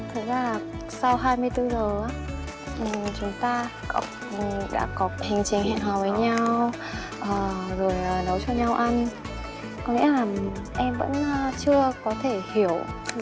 thực ra là sau hai mươi tư giờ á thì chúng ta đã có ý chí hẹn hò với nhau à rồi nấu cho nhau ăn có lẽ là em vẫn chưa có thể hiểu